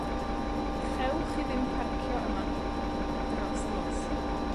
Chewch chi ddim parcio yma dros nos.